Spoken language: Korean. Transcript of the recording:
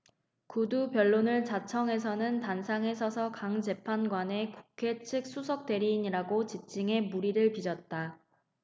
구두변론을 자청해서는 단상에 서서 강 재판관을 국회 측 수석대리인이라고 지칭해 물의를 빚었다